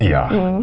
ja.